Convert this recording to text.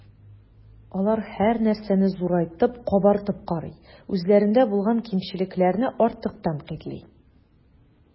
Алар һәрнәрсәне зурайтып, “кабартып” карый, үзләрендә булган кимчелекләрне артык тәнкыйтьли.